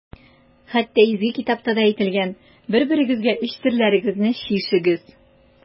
Хәтта Изге китапта да әйтелгән: «Бер-берегезгә эч серләрегезне чишегез».